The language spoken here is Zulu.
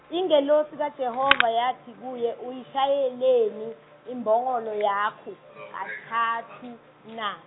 Ingelosi kaJehova yathi kuye uyishayeleni imbongolo yakho kathathu na?